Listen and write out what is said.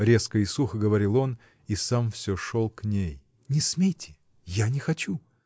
— резко и сухо говорил он и сам всё шел к ней. — Не смейте, я не хочу!